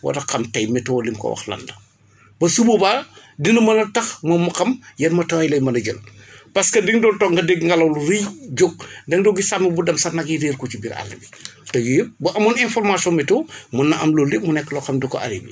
war na xam tey météo li mu ko wax lan la ba su boobaa dina mën a tax moom mu xam yan matuwaay lay mën a jël parce que di nga doon toog nga dégg ngelaw lu rëy jóg da nga gis sàmm bu dem sax nag yi réer ko ci biir àll bi te yooyu yëpp boo amoon information météo mun na am loolu lépp mu nekk loo xam ne du ko arrivé